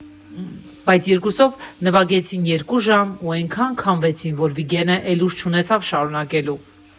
Բայց երկուսով նվագեցին երկու ժամ ու էնքան քամվեցին, որ Վիգենը էլ ուժ չունեցավ շարունակելու։